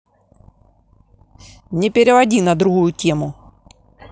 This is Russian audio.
не переводи на другую тему